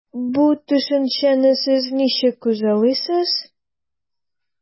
Бу төшенчәне сез ничек күзаллыйсыз?